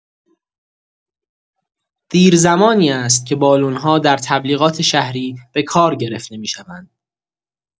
دیرزمانی است که بالون‌ها در تبلیغات شهری به کار گرفته می‌شوند.